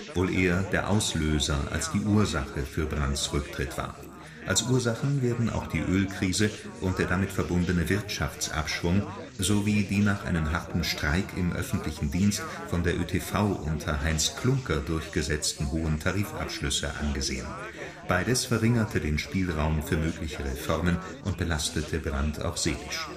wohl eher der Auslöser als die Ursache für Brandts Rücktritt war. Als Ursachen werden auch die Ölkrise und der damit verbundene Wirtschaftsabschwung sowie die nach einem harten Streik im Öffentlichen Dienst von der ÖTV unter Heinz Kluncker durchgesetzten hohen Tarifabschlüsse angesehen. Beides verringerte den Spielraum für mögliche Reformen und belastete Brandt auch seelisch